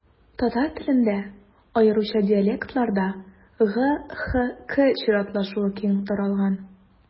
Татар телендә, аеруча диалектларда, г-х-к чиратлашуы киң таралган.